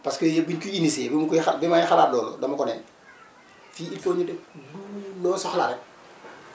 parce que yooyu yëpp bu ñu ko initié bi mu koy xa bi may xalaat loolu dama ko ne fii il faut de loo soxla rek